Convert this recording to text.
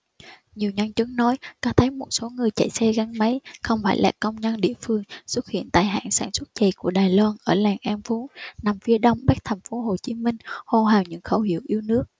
nhiều nhân chứng nói có thấy một số người chạy xe gắn máy không phải là công nhân địa phương xuất hiện tại hãng sản xuất giày của đài loan ở làng an phú nằm phía đông bắc thành phố hồ chí minh hô hào những khẩu hiệu yêu nước